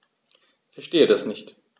Verstehe das nicht.